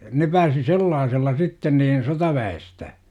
ne pääsi sellaisella sitten niin sotaväestä